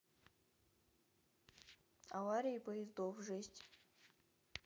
аварии поездов жесть